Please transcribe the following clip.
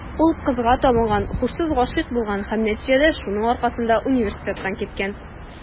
Ул кызга табынган, һушсыз гашыйк булган һәм, нәтиҗәдә, шуның аркасында университеттан киткән.